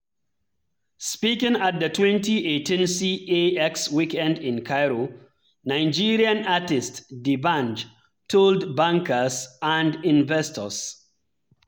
Speaking at the 2018 CAX Weekend in Cairo, Nigerian artist D'Banj told bankers and investors: